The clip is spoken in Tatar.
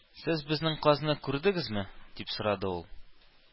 "сез безнең казны күрдегезме" дип сорады ул